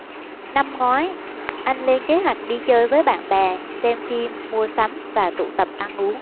năm ngoái anh lên kế hoạch đi chơi với bạn bè xem phim mua sắm và tụ tập ăn uống